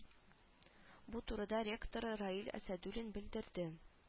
Бу турыда ректоры раил әсәдуллин белдерде